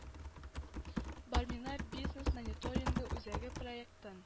Бармина бизнес мониторингы үзәге проектын